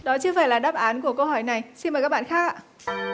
đó chưa phải là đáp án của câu hỏi này xin mời các bạn khác ạ